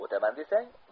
o'taman desang